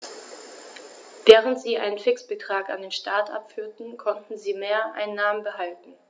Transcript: Während sie einen Fixbetrag an den Staat abführten, konnten sie Mehreinnahmen behalten.